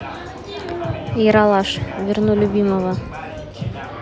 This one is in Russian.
ералаш верну любимого